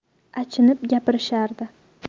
achinib gapirishardi